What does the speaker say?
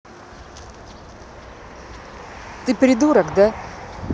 ты придурок да